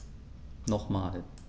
Nochmal.